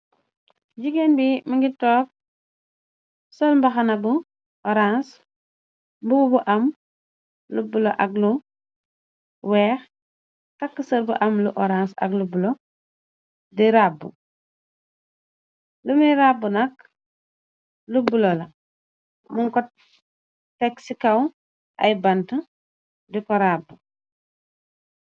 jigéen bi mi ngir toog sol mbaxana bu orange bu bu am lubbulo ak lu weex takk sër bu am lu orange ak lubblo di ràbb lumiy ràbb nak lubbulo la mun ko teg ci kaw ay bant di ko rabb